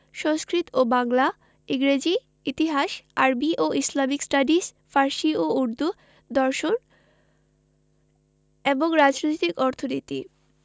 সংস্কৃত ও বাংলা ইংরেজি ইতিহাস আরবি ও ইসলামিক স্টাডিজ ফার্সি ও উর্দু দর্শন এবং রাজনৈতিক অর্থনীতি